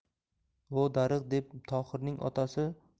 vo darig' deb tohirning otasi og'ir ux